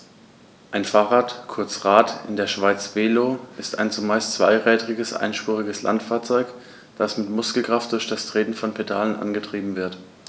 Ein Fahrrad, kurz Rad, in der Schweiz Velo, ist ein zumeist zweirädriges einspuriges Landfahrzeug, das mit Muskelkraft durch das Treten von Pedalen angetrieben wird.